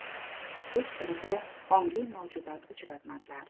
lekin hech birida ongli mavjudot uchratmadilar